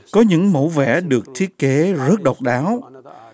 có những mẫu vẽ được thiết kế rất độc đáo